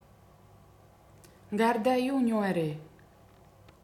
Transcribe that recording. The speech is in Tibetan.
འགལ ཟླ ཡོང མྱོང བ རེད